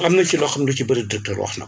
am na si loo xam ne lu si bëri directeur wax na ko